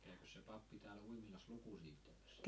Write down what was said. käykös se pappi täällä Uimilassa lukusia pitämässä